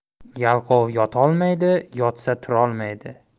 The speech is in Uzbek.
yalqov yotolmaydi yotsa turolmaydi